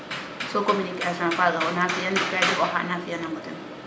so communication faga wona fiyan ndi ka jeg oxa na fiya naŋo ten